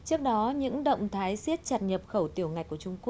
trước đó những động thái xiết chặt nhập khẩu tiểu ngạch của trung